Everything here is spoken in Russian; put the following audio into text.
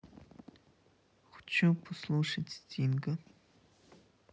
хочу послушать стинга